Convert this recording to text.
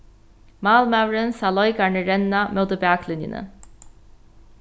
málmaðurin sá leikararnar renna móti baklinjuni